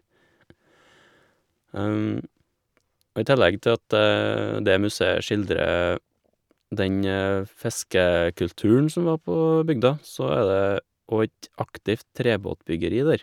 Og i tillegg til at det museet skildrer den fiskekulturen som var på bygda, så er det óg et aktivt trebåtbyggeri der.